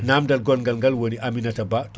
namdal gongal ngal woni Aminata BA